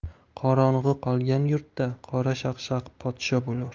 qorong'i qolgan yurtda qorashaqshaq podsho bo'lur